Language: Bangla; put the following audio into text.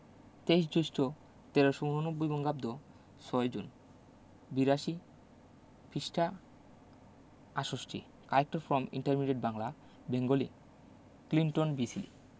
২৩ জ্যৈষ্ঠ ১৩৮৯ বঙ্গাব্দ ৬ জুন ৮২ পৃষ্ঠা ৬৮ collected from intermediate Bangla Bengali Clinton B Seely